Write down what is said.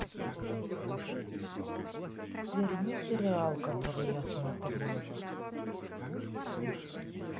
верни сериал который я смотрела